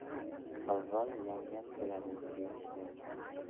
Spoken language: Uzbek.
avval yangam keladi keyin men